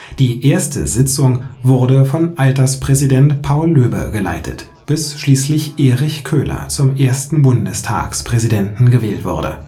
Die erste Sitzung wurde von Alterspräsident Paul Löbe geleitet, bis schließlich Erich Köhler zum ersten Bundestagspräsidenten gewählt wurde